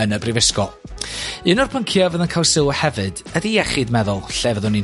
yn y brifysgol. Un o'r pynciau fydd yn ca'l sylw hefyd ydi iechyd meddwl lle fyddwn ni'n